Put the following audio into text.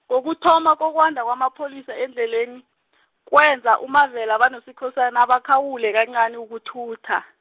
ngokuthoma kokwanda kwamapholisa endleleni , kwenza uMavela banoSkhosana bakhawule kancani ukuthutha.